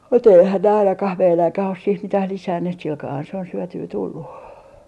mutta eihän ne ainakaan meidänkään ole siihen mitään lisänneet sillä kalellahan se on syötyä tullut